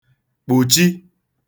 kpùchi